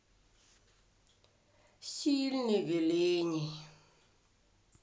сильный велений